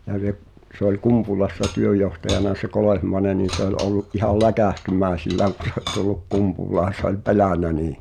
ja - se oli Kumpulassa työnjohtajana se Kolehmainen niin se oli ollut ihan läkähtymäisillään kun se oli tullut Kumpulaan se oli pelännyt niin